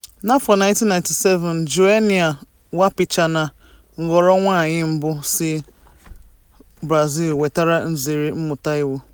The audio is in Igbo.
N'afọ 1997, Joenia Wapichana ghọrọ nwaanyị mbụ si Brazil nwetara nzere mmụta iwu.